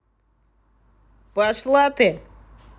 пошла ты